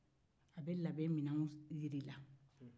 a labɛn minɛnw jira i la